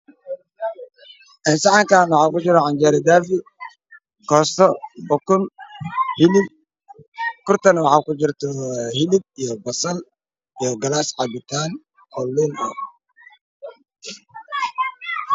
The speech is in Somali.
Waa saxan waxaa ku jirto canjeero daafi hilib ukun ku jiro hilib basal waxaa ogyahay class cabitaan ku jiro